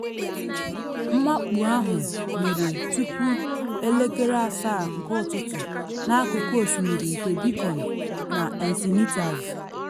Mmakpu ahụ mere tupu 7 ụtụtụ n’akụkụ Osimiri nke Beacon na Encinitas.